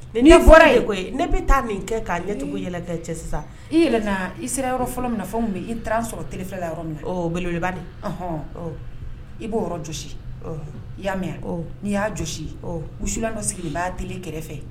N'i bɔra ye koyi ne bɛ taa nin kɛ k'a ɲɛtugukayɛlɛn tɛ cɛ sisan, i yɛlɛnna i sera yɔrɔ fɔlɔ min fo n tun bɛ yen i taara n sɔrɔ télé filɛ la yɔrɔ min, belebeleba nin, ɔhɔ, i b'o yɔrɔ jɔsi, unhun, i y'a mɛn wa, n'i y'a jɔsi, un, wusulan dɔ sigi n b'a télé kɛrɛfɛ